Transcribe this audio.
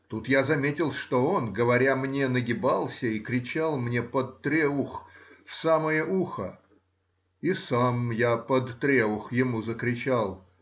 Тут я заметил, что он, говоря мне, нагибался и кричал мне под треух в самое ухо, и сам я под треух ему закричал